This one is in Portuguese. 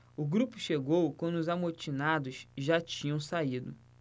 o grupo chegou quando os amotinados já tinham saído